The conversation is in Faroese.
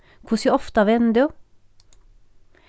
hvussu ofta venur tú